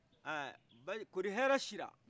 ɛɛ ba kori hɛrɛ si la